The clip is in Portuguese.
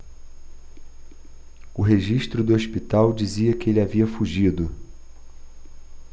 o registro do hospital dizia que ele havia fugido